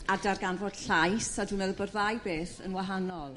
a darganfod llais a dwi meddwl bo'r ddau beth yn wahanol.